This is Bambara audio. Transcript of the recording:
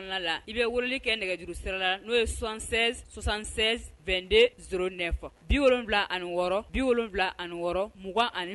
Kɛ biwula ani wɔɔrɔ biwula ani wɔɔrɔ mugan ani